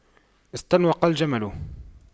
استنوق الجمل